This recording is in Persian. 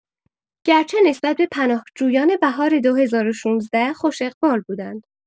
گرچه نسبت به پناهجویان بهار ۲۰۱۶ خوش اقبال بودند.